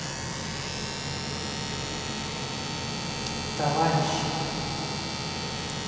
товарищ